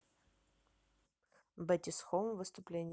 битиэс хоум выступления